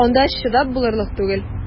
Анда чыдап булырлык түгел!